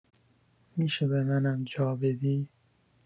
می‌شه به منم جا بدی؟